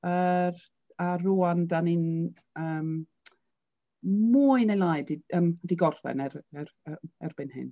Yr... a rŵan dan ni'n yym mwy neu lai 'di yym 'di gorffen er- er- er- erbyn hyn.